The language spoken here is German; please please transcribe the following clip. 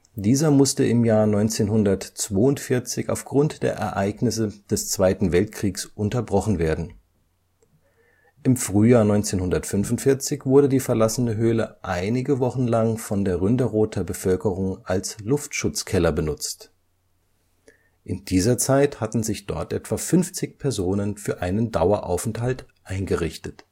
Dieser musste im Jahr 1942 aufgrund der Ereignisse des Zweiten Weltkriegs unterbrochen werden. Im Frühjahr 1945 wurde die verlassene Höhle einige Wochen lang von der Ründerother Bevölkerung als Luftschutzkeller benutzt – in dieser Zeit hatten sich dort etwa 50 Personen für einen Daueraufenthalt eingerichtet